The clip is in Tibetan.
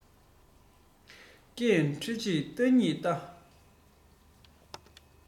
སྐད འཕྲིན གཅིག ལྟ གཉིས ལྟ